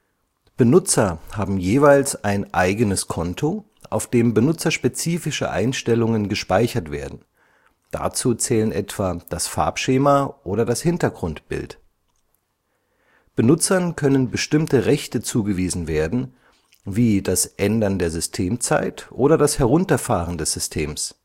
Benutzer haben jeweils ein eigenes Konto, auf dem benutzerspezifische Einstellungen gespeichert werden; dazu zählen etwa das Farbschema oder das Hintergrundbild. Benutzern können bestimmte Rechte zugewiesen werden, wie das Ändern der Systemzeit oder das Herunterfahren des Systems